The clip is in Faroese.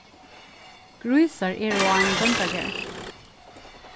grísar eru á einum bóndagarði